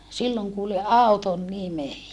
silloin kuulin auton nimen